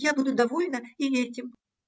Я буду довольна и этим.